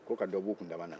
ko ka dɔ bɔ u kuntama na